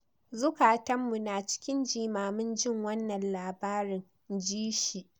"Zukatanmu na cikin jimamin jin wannan labarin," in ji shi.